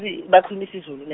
isiZulu ne-.